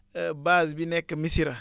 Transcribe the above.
base bi nekk Missirah